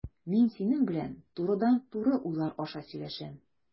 Мин синең белән турыдан-туры уйлар аша сөйләшәм.